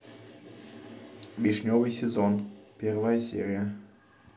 вишневый сезон первая серия